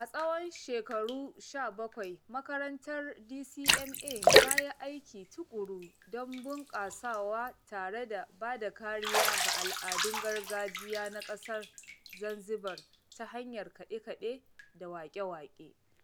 A tsawon shekaru 17, makarantar DCMA ta yi aiki tuƙuru don bunƙasawa tare da ba da kariya ga al'adun gargajiya na ƙasar Zanzibar ta hanyar kaɗe-kaɗe da waƙe-waƙe.